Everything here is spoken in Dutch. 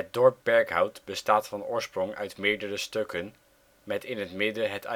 dorp Berkhout bestaat van oorsprong uit meerdere stukken met in het midden het